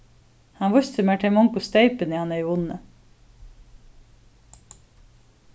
hann vísti mær tey mongu steypini hann hevði vunnið